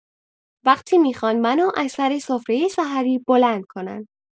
وقتی میخوان منو از سر سفره سحری بلند کنند